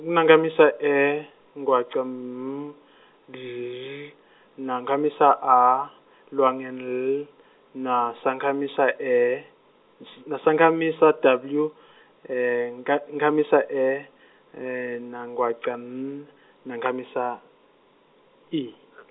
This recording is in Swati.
kuna khamisa E, ngwaca M, Z, nankhamisa A, lwangeni L, na sankhamisa E, ns- na sankhamisa W, nkha- nkhamisa E, na ngwaca N, na nkhamisa I .